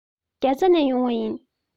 རྒྱ ཚ ནས ཡོང བ ཡིན